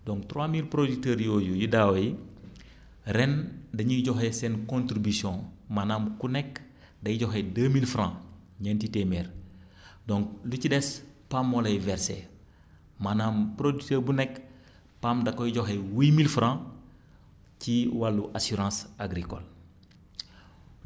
donc trois mille producteurs yooyu yu daaw yi ren dañuy joxe seen contribution maanaam ku nekk day joxe deux mille franc ñenti téeméer donc lu ci des PAM moo lay versé maanaam producteur bu nekk PAM da koy joxe huit mille franc ci wàllu assurance agricole